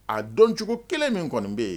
A dɔncogo kelen min kɔni bɛ yen